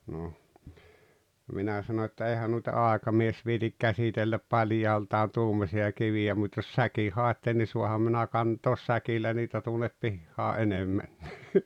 no minä sanoin että eihän noita aikamies viitsi käsitellä paljaaltaan tuommoisia kiviä mutta jos säkin haette niin saanhan minä kantaa säkillä niitä tuonne pihaan enemmänkin